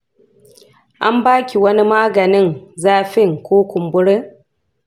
an baki wani maganin zafin ko kumburin?